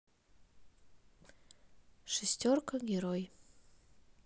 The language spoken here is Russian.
шестерка герой